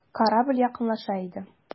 Корабль якынлаша иде.